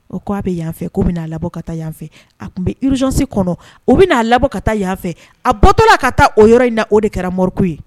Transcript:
K ko'a bɛ yan fɛ ko' bɛna'abɔ ka taa yanfɛ a tun bɛrizsi kɔnɔ o bɛ n'a labɔ ka taa yanfɛ a batɔla ka taa o yɔrɔ in na o de kɛra moriku ye